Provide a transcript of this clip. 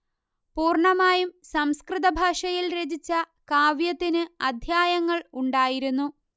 പൂർണ്ണമായും സംസ്കൃതഭാഷയിൽ രചിച്ച കാവ്യത്തിനു അദ്ധ്യായങ്ങൾ ഉണ്ടായിരുന്നു